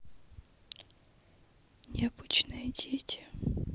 необычные дети